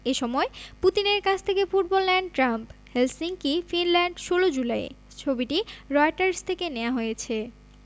এ সময় পুতিনের কাছ থেকে ফুটবল নেন ট্রাম্প হেলসিঙ্কি ফিনল্যান্ড ১৬ জুলাই ছবিটি রয়টার্স থেকে নেয়া হয়েছে